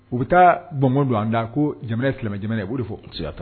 U bɛ taa bɔnbon don an da ko jamana fila jamana b' de fɔ